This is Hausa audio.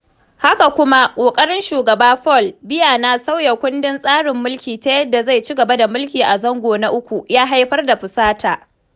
Haka kuma ƙoƙarin Shugaba Paul Biya na sauya kundin tsarin mulki ta yadda zai ci gaba da mulki a zango na uku ya haifar da fusata.